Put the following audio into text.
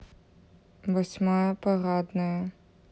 восьмая парадная